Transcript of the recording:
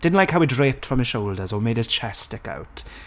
Didn't like how it draped from his shoulders, or made his chest stick out.